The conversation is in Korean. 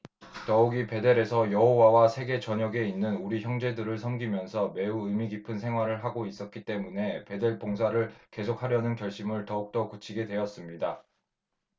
더욱이 베델에서 여호와와 세계 전역에 있는 우리 형제들을 섬기면서 매우 의미 깊은 생활을 하고 있었기 때문에 베델 봉사를 계속하려는 결심을 더욱더 굳히게 되었습니다